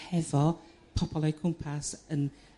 hefo pobol o'u cwmpas yn